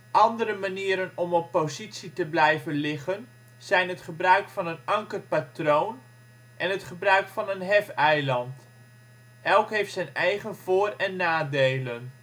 Andere manieren om op positie te blijven liggen, zijn het gebruik van een ankerpatroon en het gebruik van een hefeiland. Elk heeft zijn eigen voor - en nadelen